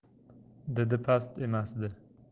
didi past emasdi